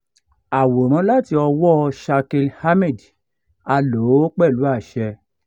Àwòrán láti ọwọ́ọ Shakil Ahmed, a lò ó pẹlú àṣẹ.